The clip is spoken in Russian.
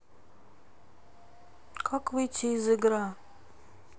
как выйти из игра